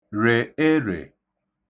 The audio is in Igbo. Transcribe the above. rè erè